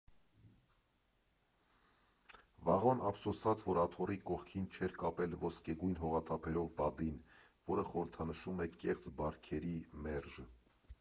Վաղոն ափսոսաց, որ աթոռի կողքին չէր կապել ոսկեգույն հողաթափերով բադին, որը խորհրդանշում է կեղծ բարքերի մերժ…